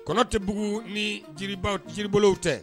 Kɔnɔ tɛ bugu ni jiri jiribolo tɛ